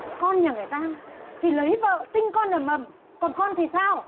con nhà người ta đi lấy vợ sinh con ầm ầm còn con thì sao